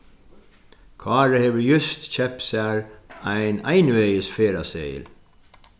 kára hevur júst keypt sær ein einvegis ferðaseðil